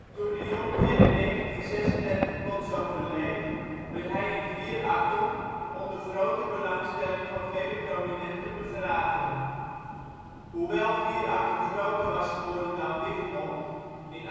Toen de Jonkheer in 1936 plots overleed, werd hij in Vierakker onder grote belangstelling van vele prominenten begraven. Hoewel Vierakker groter was geworden dan Wichmond (in